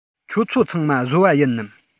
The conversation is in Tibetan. ཁྱོད ཚོ ཚང མ བཟོ པ ཡིན ནམ